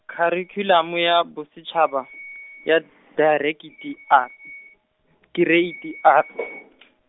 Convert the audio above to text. Kharikhulamo ya bosetshaba, ya dikereiti R, kereiti R .